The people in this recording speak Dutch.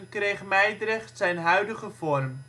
kreeg Mijdrecht zijn huidige vorm.